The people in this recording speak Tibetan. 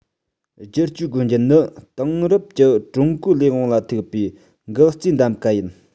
བསྒྱུར བཅོས སྒོ འབྱེད ནི དེང རབས ཀྱི ཀྲུང གོའི ལས དབང ལ ཐུག པའི འགག རྩའི གདམ ག ཡིན